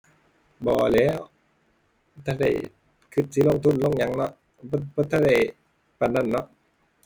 บ่แหล้ว ทันได้ คิดสิลงทุนลงหยังเนาะ บ่ บ่ทันได้ ปานนั้นเนาะ